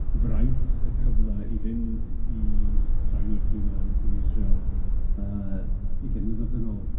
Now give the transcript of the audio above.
fraint, y cyfle i fynd i'r i Israel yy ugen mlynedd yn ôl.